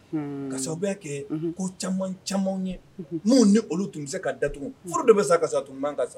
Kasa bɛ kɛ ko caman caman ye n' ni olu tun bɛ se ka dat furu de bɛ sa ka sa tun man kan sa